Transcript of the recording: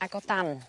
ag o dan.